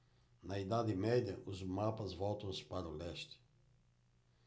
na idade média os mapas voltam-se para o leste